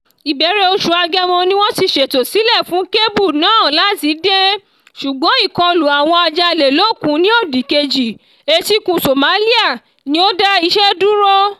Ìbẹ̀rẹ̀ oṣù Agẹmọ ni wọ́n ti ṣètò sílẹ̀ fún kébù náà láti dé, ṣùgbọ́n ìkọlù àwọn ajalèlókun ní òdìkejì etíkun Somalia ni ó dá iṣẹ́ dúró.